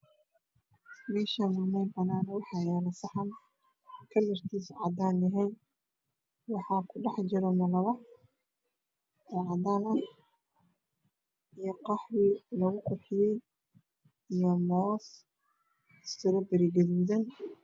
Meshan waxaa yaalo saxan kalarkiisu yahay cadaan Waxa ku dhex jiro malawax oo cadaan ah iyo qaxwi lagu qurxiyay iyo moos storobari guduud ah